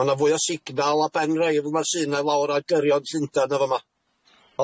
ma' 'na fwy o signal ar ben 'r Eifl 'na sŷ 'na lawr ar gyrion Llundain yn fa' 'ma.